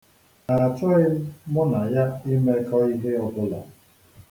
Achọghị m mụ na ya imekọ ihe ọbụla.